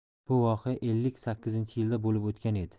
bu voqea ellik sakkizinchi yilda bo'lib o'tgan edi